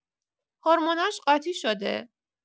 هورموناش قاطی شده